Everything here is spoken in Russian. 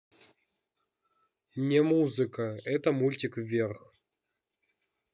не музыка это мультик вверх